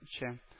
Чә